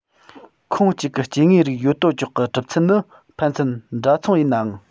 ཁོངས གཅིག གི སྐྱེ དངོས རིགས ཡོད དོ ཅོག གི གྲུབ ཚུལ ནི ཕན ཚུན འདྲ མཚུངས ཡིན ནའང